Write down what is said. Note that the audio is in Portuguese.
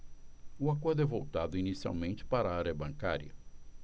o acordo é voltado inicialmente para a área bancária